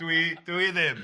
Dw i dw i ddim.